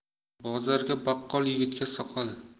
bozorga baqqol yigitga soqol